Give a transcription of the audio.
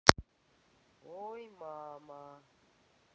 ой мама